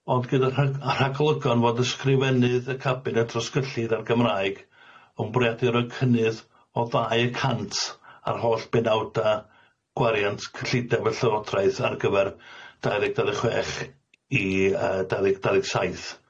Ond gyda rhag- rhagolygon fod ysgrifennydd y cabinet drosgyllid a'r Gymraeg yn bwriadu roi cynnydd o ddau y cant ar holl benawda gwariant cyllideb y llywodraeth ar gyfer dau ddeg dau ddeg chwech i y- dau ddeg dau ddeg saith.